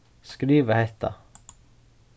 skriva hetta